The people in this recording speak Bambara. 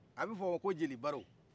a bɛ f'o ma ko jeli baro